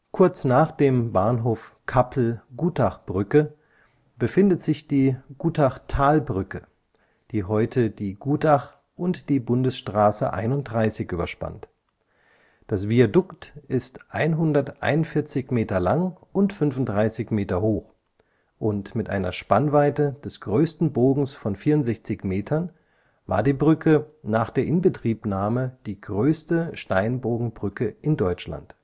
Kurz nach dem Bahnhof Kappel Gutachbrücke befindet sich die Gutachtalbrücke, die heute die Gutach und die Bundesstraße 31 überspannt. Das Viadukt ist 141 Meter lange und 35 Meter hoch, mit einer Spannweite des größten Bogens von 64 Metern war die Brücke nach der Inbetriebnahme die größte Steinbogenbrücke in Deutschland